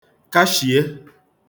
kashìe